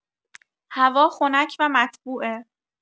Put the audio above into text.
هوا خنک و مطبوعه.